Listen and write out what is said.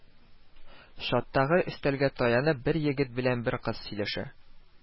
Чаттагы өстәлгә таянып, бер егет белән бер кыз сөйләшә